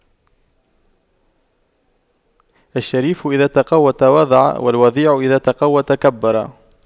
الشريف إذا تَقَوَّى تواضع والوضيع إذا تَقَوَّى تكبر